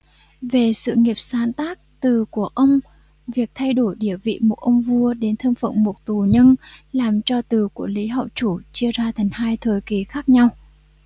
về sự nghiệp sáng tác từ của ông việc thay đổi địa vị một ông vua đến thân phận một tù nhân làm cho từ của lý hậu chủ chia ra thành hai thời kỳ khác nhau